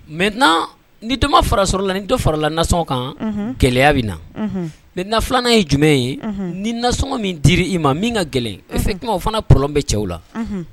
Maintenant ni dɔ ma fara sɔrɔ la ni dɔ farala nasɔngɔ kan, unhun, gɛlɛya bɛ na maintenant 2 nan ye jumɛn ye? Ni nasɔngɔ min di ili ma min ka gɛlɛn effectivement o fana bɛ cɛw la.